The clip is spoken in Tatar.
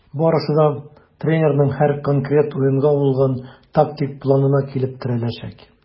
Барысы да тренерның һәр конкрет уенга булган тактик планына килеп терәләчәк.